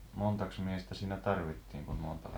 montakos miestä siinä tarvittiin kun nuotalla